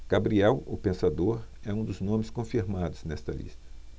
gabriel o pensador é um dos nomes confirmados nesta lista